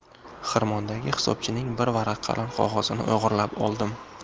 xirmondagi hisobchining bir varaq qalin qog'ozini o'g'irlab oldim